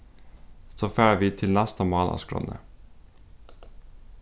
so fara vit til næsta mál á skránni